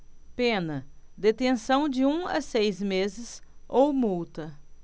pena detenção de um a seis meses ou multa